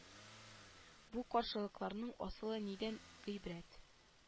Бу каршылыкларның асылы нидән гыйбрәт